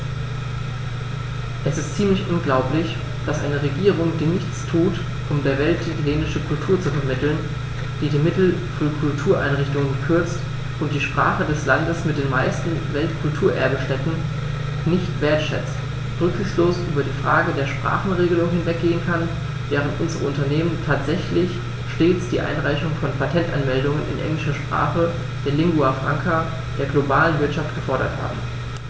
Es ist ziemlich unglaublich, dass eine Regierung, die nichts tut, um der Welt die italienische Kultur zu vermitteln, die die Mittel für Kultureinrichtungen kürzt und die Sprache des Landes mit den meisten Weltkulturerbe-Stätten nicht wertschätzt, rücksichtslos über die Frage der Sprachenregelung hinweggehen kann, während unsere Unternehmen tatsächlich stets die Einreichung von Patentanmeldungen in englischer Sprache, der Lingua Franca der globalen Wirtschaft, gefordert haben.